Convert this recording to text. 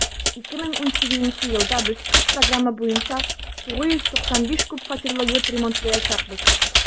2018 елда без төп программа буенча 995 күп фатирлы йорт ремонтлаячакбыз.